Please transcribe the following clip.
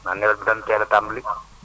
naan nawet bi dana teel a tàmbali